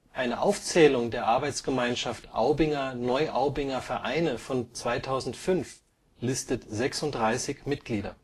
Eine Aufzählung der Arbeitsgemeinschaft Aubinger-Neuaubinger-Vereine von 2005 listet 36 Mitglieder